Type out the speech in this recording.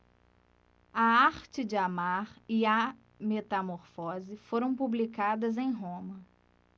a arte de amar e a metamorfose foram publicadas em roma